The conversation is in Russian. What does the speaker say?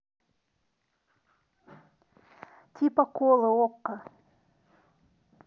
типа копы okko